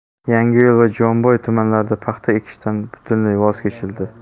yangiyo'l va jomboy tumanlarida paxta ekishdan butunlay voz kechildi